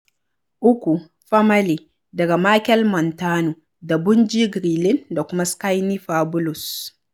3. "Famalay" daga Machel Montano da Bunji Grlin da kuma Skinny Fabulous